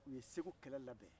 u ye segu kɛlɛ labɛn